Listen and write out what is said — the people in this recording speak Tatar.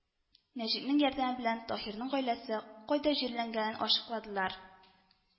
Нәҗипнең ярдәме белән Таһирның гаиләсе кайда җирләнгәнен ачыкладылар